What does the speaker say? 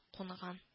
Кунган